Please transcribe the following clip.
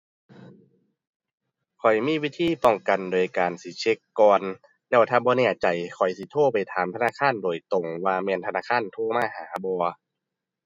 ข้อยมีวิธีป้องกันโดยการสิเช็กก่อน แล้วถ้าบ่แน่ใจข้อยสิโทรไปถามธนาคารโดยตรงว่าแม่นธนาคารโทรมาหาบ่